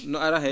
no ara hay